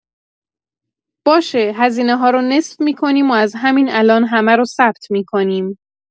باشه، هزینه‌ها رو نصف می‌کنیم و از همین الان همه رو ثبت می‌کنیم.